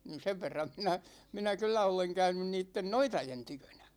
niin sen verran minä minä kyllä olen käynyt niiden noitien tykönä